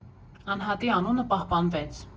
Անհատի անունը պահպանվեց։